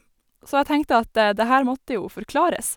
Så jeg tenkte at det her måtte jo forklares.